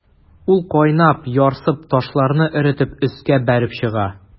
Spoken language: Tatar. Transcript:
Ул кайнап, ярсып, ташларны эретеп өскә бәреп чыга.